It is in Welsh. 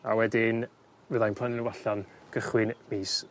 a wedyn fyddai'n plannu n'w allan cychwyn mis